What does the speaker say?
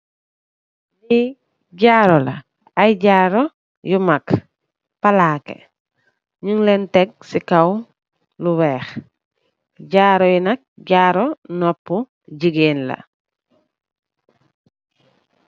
Li jaru la, ay jaru yu mak palakeh. Ñug lèèn tek si kaw lu wèèx. Jaru yi nak jaru nopuh gigeen la.